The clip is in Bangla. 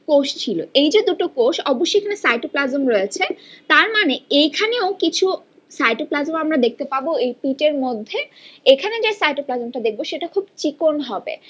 কোষ ছিল এই যে দুটো কোষ অবশ্যই এখানে সাইটোপ্লাজম রয়েছে তারমানে এখানেও কিছু সাইটোপ্লাজম আমরা দেখতে পাব এই পিটের মধ্যে এখানে যে সাইটোপ্লাজম টা দেখবো সেটা খুব চিকন হবে